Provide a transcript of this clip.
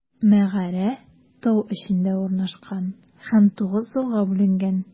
Мәгарә тау эчендә урнашкан һәм тугыз залга бүленгән.